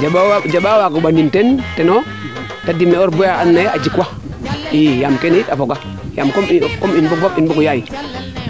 jamba jamba waago mbanin teen teno te dimle oor balam ando naye a jik wa i yaam kene a foga yam comme in mbogu fop in mbogu yaay